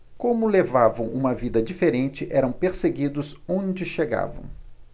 como levavam uma vida diferente eram perseguidos onde chegavam